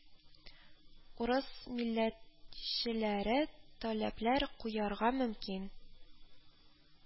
Урыс милләт челәре таләпләр куярга мөмкин